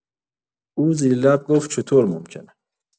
او زیر لب گفت: «چطور ممکنه؟»